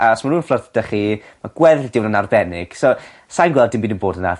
a os ma' nw'n fflyrto chi ma gwefr arbennig so sai'n gweld dim byd yn bod yna.